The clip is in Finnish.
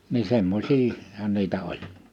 niin - semmoisiahan niitä oli